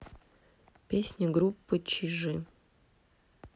песни группы чижи